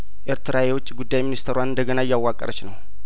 ኤርትራ የውጭ ጉዳይ ሚኒስተሯን እንደገና እያዋቀረች ነው